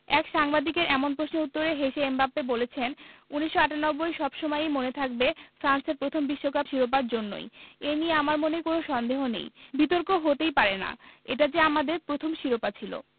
এক সাংবাদিকের এমন প্রশ্নের উত্তরে হেসে এমবাপ্পে বলেছেন ১৯৯৮ সব সময়ই মনে থাকবে ফ্রান্সের প্রথম বিশ্বকাপ শিরোপার জন্যই এ নিয়ে আমার মনে কোনো সন্দেহ নেই বিতর্ক হতেই পারে না এটা যে আমাদের প্রথম শিরোপা ছিল